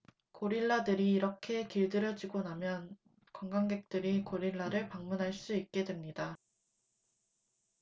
고릴라들이 이렇게 길들여지고 나면 관광객들이 고릴라를 방문할 수 있게 됩니다